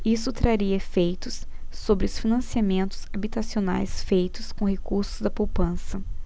isso traria efeitos sobre os financiamentos habitacionais feitos com recursos da poupança